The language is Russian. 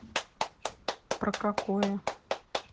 про какое